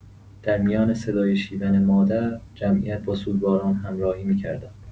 در میان صدای شیون مادر، جمعیت با سوگواران همراهی می‌کردند.